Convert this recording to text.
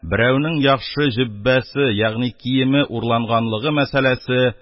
Берәүнең яхшы җөббәсе ягъни киеме урланганлыгы мәсьәләсе